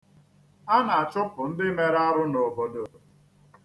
A na-achụpụ ndị mere arụ n'obodo.